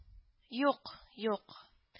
— юк! юк